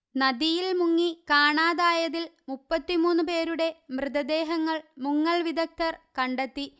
നദിയില് മുങ്ങി കാണാതായതില് മുപ്പത്തി മൂന്നു പേരുടെ മൃതദേഹങ്ങള് മുങ്ങല് വിദഗ്ദ്ധര് കണ്ടെത്തി